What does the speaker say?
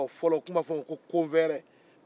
u tun b'a f'a ma fɔlɔ ko konfɛɛrɛ